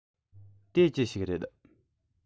དེ ཅི ཞིག རེད